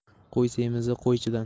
qo'y semizi qo'ychidan